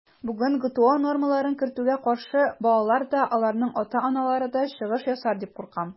Бүген ГТО нормаларын кертүгә каршы балалар да, аларның ата-аналары да чыгыш ясар дип куркам.